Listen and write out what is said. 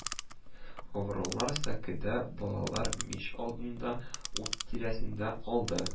Авырулар сәкедә, балалар мич алдында, ут тирәсендә калды